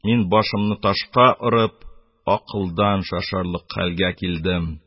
Мин, башымны ташка орып, акылдан шашарлык хәлгә килдем.